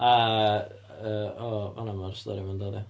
Aa yy o fan'na mae'r stori yma'n dod ia?